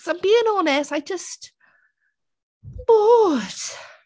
Cos I'm being honest, I just... bored.